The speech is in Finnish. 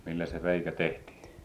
millä se reikä tehtiin